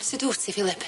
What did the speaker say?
O. Sud w ti Phillip?